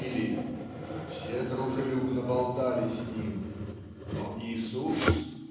или "все дружелюбно болтали с ним, но Иисус